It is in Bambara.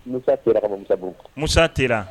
Musa Tera ka bɔ Musabugu, Musa Tera